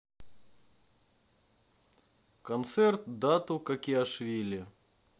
концерт дату какиашвили